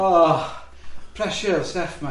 O, pressure, Steff ma.